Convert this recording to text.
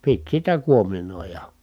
piti sitä kuominoida